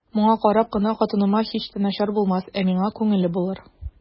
Моңа карап кына хатыныма һич тә начар булмас, ә миңа күңелле булыр.